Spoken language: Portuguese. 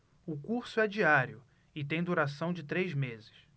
o curso é diário e tem duração de três meses